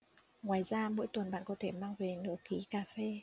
ngoài ra mỗi tuần bạn có thể mang về nửa ký cà phê